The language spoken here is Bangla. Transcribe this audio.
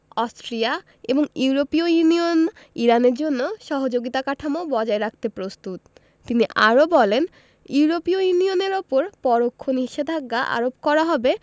অস্ট্রিয়া এবং ইউরোপীয় ইউনিয়ন ইরানের জন্য সহযোগিতা কাঠামো বজায় রাখতে প্রস্তুত তিনি আরও বলেন ইউরোপীয় ইউনিয়নের ওপর পরোক্ষ নিষেধাজ্ঞা আরোপ করা হবে